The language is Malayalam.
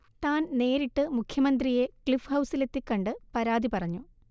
താൻ നേരിട്ട് മുഖ്യമന്ത്രിയെ ക്ളിഫ്ഹൗസിലെത്തി കണ്ട് പരാതി പറഞ്ഞു